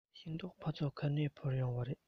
ཤིང ཏོག ཕ ཚོ ག ནས དབོར ཡོང བ རེད